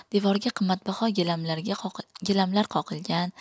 devorga qimmatbaho gilamlar qoqilgan